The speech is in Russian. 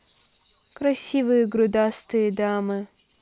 красивые грудастые дамы